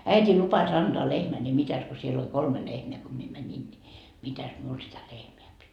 äiti lupasi antaa lehmän niin mitäs kun siellä oli kolme lehmää kun minä menin niin mitäs minulle sitä lehmää piti